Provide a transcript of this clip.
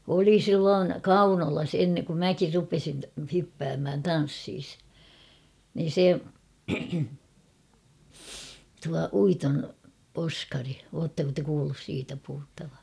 oli silloin Kaunolassa - kun minäkin rupesin - hyppäämään tansseissa niin se tuo Uiton Oskari oletteko te kuullut siitä puhuttavan